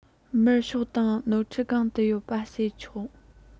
མར ཤོག དང ནོར འཁྲུལ གང དུ ཡོད པ བཤད ཆོག